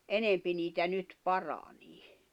enempi niitä nyt paranee